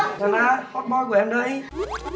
na na hót boi của em đây